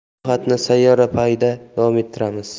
sayohatni sayyorapoyda davom ettiramiz